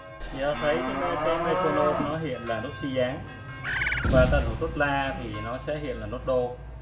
ta thấy cái tuner nó hiện nốt bb và ta thổi nốt a nó sẽ hiện nốt c